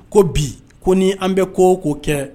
Ko bi ko ni an bɛ ko k'o kɛ